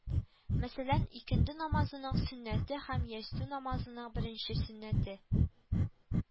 Мәсәлән, икенде намазының сөннәте һәм ястү намазының беренче сөннәте